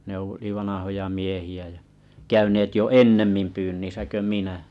ne oli vanhoja miehiä ja käyneet jo ennemmin pyynnissä kuin minä